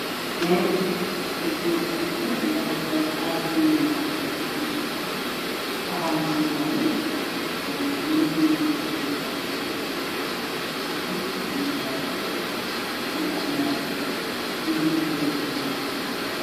Waa dabaq dhisme ku socdo midabkiisa yahay shabeendo bulukeeti waxaa hoos yaalo makiinad lagu shiidaayo iyo mooto kalarkeedu yahay guduud